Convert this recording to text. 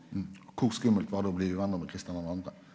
kor skummelt var det å bli uvennar med Christian den andre?